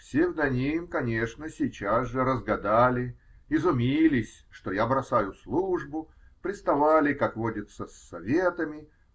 Псевдоним, конечно, сейчас же разгадали, изумились, что я бросаю службу, приставали, как водится, с советами